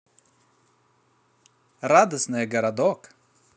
радостная городок